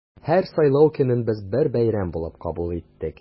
Һәр сайлау көнен без бер бәйрәм булып кабул иттек.